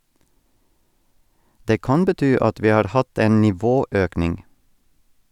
Det kan bety at vi har hatt en nivåøkning.